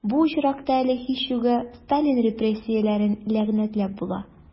Бу очракта әле, һич югы, Сталин репрессияләрен ләгънәтләп була...